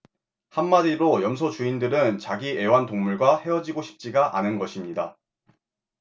한마디로 염소 주인들은 자기 애완동물과 헤어지고 싶지가 않은 것입니다